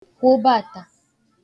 kwobàta